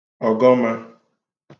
ọ̀gọ ma